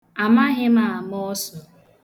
Amaghị m ama ọsụ.